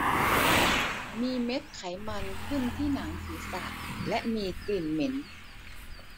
มีเม็ดไขมันขึ้นที่หนังศีรษะและมีกลิ่นเหม็น